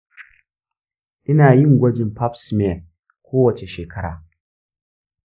ina yin gwajin pap smear kowace shekara.